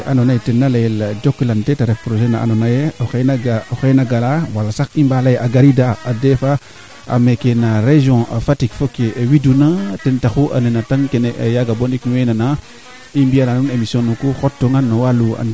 merci beaucoup Djiby laamit ne jega solo trop machaala andaame i ŋota nga no mame iin wala no baab iin a jega kee ando naye soɓ aanum a jega kee laamtuma aussi i ngota nga o mbiño lakaso nge yit a jega kaa i ngestuna maaga